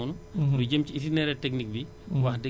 loolu tamit lu am solo la mais moom li mu wax noonu